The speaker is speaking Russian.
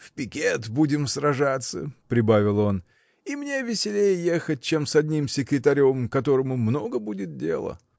— В пикет будем сражаться, — прибавил он, — и мне веселее ехать, чем с одним секретарем, которому много будет дела.